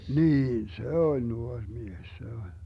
niin se oli nuori mies se oli